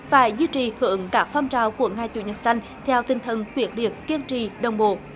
phải duy trì hưởng ứng các phong trào của ngày chủ nhật xanh theo tinh thần quyết liệt kiên trì đồng bộ